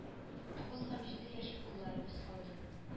Тугыз һәм җиде яшьлек улларыбыз калды